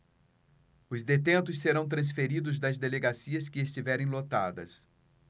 os detentos serão transferidos das delegacias que estiverem lotadas